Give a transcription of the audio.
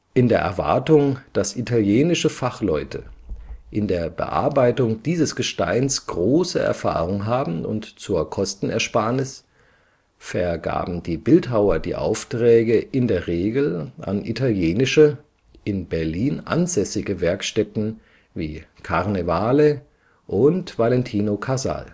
In der Erwartung, dass italienische Fachleute in der Bearbeitung dieses Gesteins große Erfahrung haben und zur Kostenersparnis, vergaben die Bildhauer die Aufträge in der Regel an italienische, in Berlin ansässige Werkstätten wie Carnevale und Valentino Casal